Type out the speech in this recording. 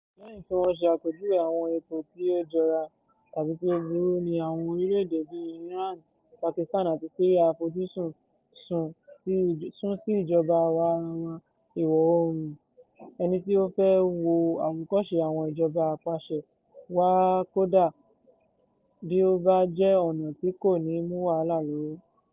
Lẹ́yìn tí wọ́n ṣe àpèjúwe àwọn ipò tí ó jọra (tàbí tí ó burú) ní àwọn orílẹ̀ èdè bíi Iran, Pakistan àti Syria, àfojúsùn sún sí ìjọba àwa ara wa ìwọ oòrùn - ẹni tí ó fẹ́ wo àwòkọ́ṣe àwọn ìjọba apàṣẹ wàá, kódà bí ó bá jẹ́ ọ̀nà tí kò ní mú wàhálà lọ́wọ́.